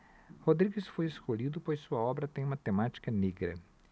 rodrigues foi escolhido pois sua obra tem uma temática negra